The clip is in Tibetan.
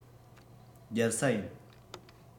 རྒྱལ ས ཡིན